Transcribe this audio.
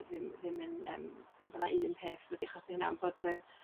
ddim ddim yn yym dim bod 'na un peth wedi achosi 'wna ond bod yr